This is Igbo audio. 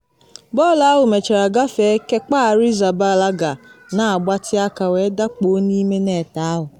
Bọọlụ ahụ mechara gafee Kepa Arrizabalaga na agbatị aka wee dakpuo n’ime net ahụ.